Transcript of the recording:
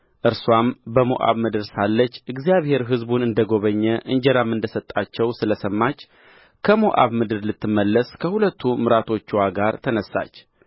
እርስዋም በሞዓብ ምድር ሳለች እግዚአብሔር ሕዝቡን እንደ ጐበኘ እንጀራም እንደ ሰጣቸው ስለ ሰማች ከሞዓብ ምድር ልትመለስ ከሁለቱ ምራቶችዋ ጋር ተነሣች